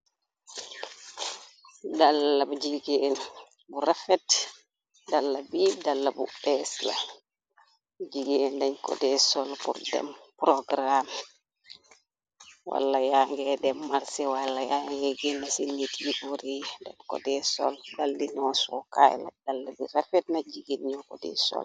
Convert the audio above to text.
Dalab jigeen bu rafet dala bi dala bu eesla jigeen dañ ko dee sol bur dem porogaraam wala yaangee dem màrse wala yangee gina ci nit yi ori dañ ko dee sol dal di noo sookaayla dala bi rafetna jigeen ñoo ko di sol.